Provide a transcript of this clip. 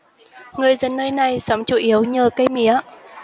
người dân nơi này sống chủ yếu nhờ cây mía